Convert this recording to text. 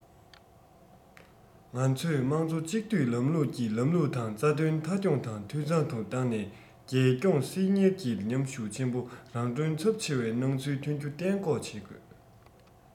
ང ཚོས དམངས གཙོ གཅིག སྡུད ལམ ལུགས ཀྱི ལམ ལུགས དང རྩ དོན མཐའ འཁྱོངས དང འཐུས ཚང དུ བཏང ནས རྒྱལ སྐྱོང སྲིད གཉེར གྱི མཉམ ཤུགས ཆེན པོ རང གྲོན ཚབས ཆེ བའི སྣང ཚུལ ཐོན རྒྱུ གཏན འགོག བྱེད དགོས